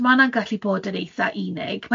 So ma' hwnna'n gallu bod yn eitha' unig.